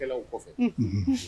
Kɛlɛw kɔfɛ, unhun